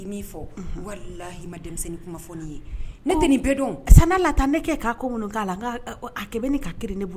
Ne san' la ne kɛ k' minnu k'a la ka ne